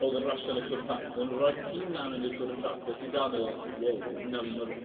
odd yn rasio yn y Tour de France bydden n'w rhoi'r tîm 'na mewn i'r Tour de France bydde ti dal yn meddwl wow hwnna yw un o'r